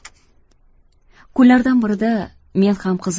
kunlardan birida men ham qiziqib